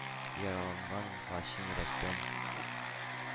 Яраланган лачын йөрәктән.